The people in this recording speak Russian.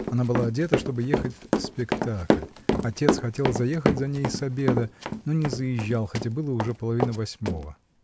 Она была одета, чтобы ехать в спектакль: отец хотел заехать за ней с обеда, но не заезжал, хотя было уже половина восьмого.